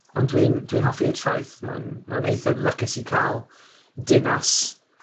Ond dwi'n, dwi'n hoffi y traeth ma'n ma'n eitha lycus i ca'l dinas